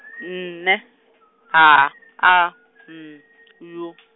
nne- H A N U.